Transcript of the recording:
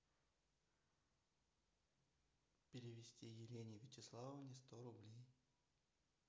перевести елене вячеславовне сто рублей